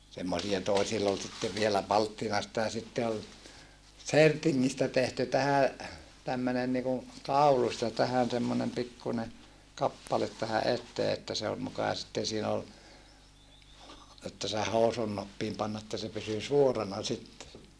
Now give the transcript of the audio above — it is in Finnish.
semmoisia toisilla oli sitten vielä palttinasta ja sitten oli sertingistä tehty tähän tämmöinen niin kuin kaulus ja tähän semmoinen pikkuinen kappale tähän eteen että se oli muka sitten siinä oli että sen housunnuppiin pani että se pysyi suorana sitten